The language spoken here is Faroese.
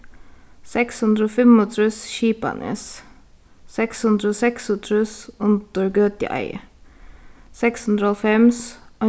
seks hundrað og fimmogtrýss skipanes seks hundrað og seksogtrýss undir gøtueiði seks hundrað og hálvfems